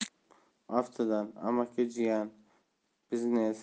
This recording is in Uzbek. aftidan amaki jiyanning biznes